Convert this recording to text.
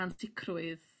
ansicrwydd...